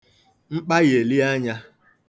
mkpayèli anyā